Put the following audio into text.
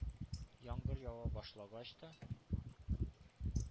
Яңгыр ява башлагач та,